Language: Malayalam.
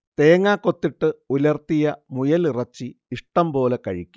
തേങ്ങക്കൊത്തിട്ട് ഉലർത്തിയ മുയലിറച്ചി ഇഷ്ടം പോലെ കഴിക്കും